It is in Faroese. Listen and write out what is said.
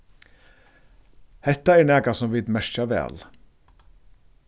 hetta er nakað sum vit merkja væl